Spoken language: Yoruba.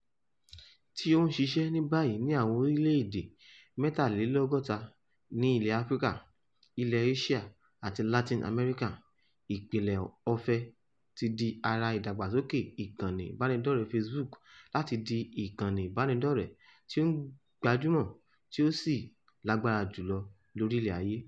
Tí ó ń ṣiṣẹ́ ní báyìí ní àwọn orílẹ̀ èdè 63 ní Ilẹ̀ Adúláwò, Ilẹ̀ Éṣíà àti Latin America, Ìpìlẹ̀ Ọ̀fẹ́ ti di ara ìdàgbàsókè ìkànnì ìbánidọ́rẹ̀ẹ́ Facebook láti di ìkànnì ìbánidọ́rẹ̀ẹ́ tí ó gbajúmò tí ó sì lágbára jùlọ lórílẹ̀ ayé.